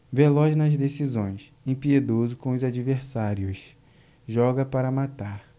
veloz nas decisões impiedoso com os adversários joga para matar